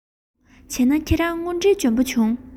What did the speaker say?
བྱས ན ཁྱེད རང དངོས འབྲེལ འཇོན པོ བྱུང